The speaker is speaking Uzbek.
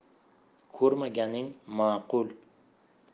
ko'rmaganing ma'qul